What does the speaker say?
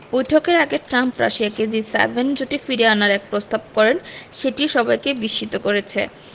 বৈঠকের আগে ট্রাম্প রাশিয়াকে জি ৭ জোটে ফিরিয়ে আনার এক প্রস্তাব করেন সেটিও সবাইকে বিস্মিত করেছে